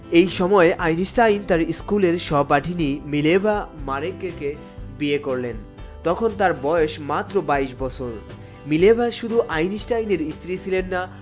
এই সময় আইনস্টাইন তার স্কুলের সহপাঠিনী মিলেভা মা রিংকির কে বিয়ে করলেন তখন তার বয়স মাত্র বাইশ বছর মিলেভা শুধু আইনস্টাইনের স্ত্রী ছিলেন না